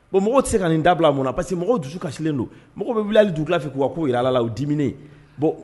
Bon mɔgɔ tɛ se ka nin dabila mun parce que mɔgɔ dusu kasilen don mɔgɔ bɛ wuli du fɛ k' ko yalala o diini bɔn